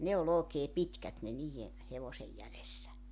ne oli oikein pitkät ne niiden hevosen jäljessä